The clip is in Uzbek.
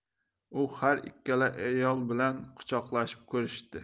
u har ikkala ayol bilan quchoqlashib ko'rishdi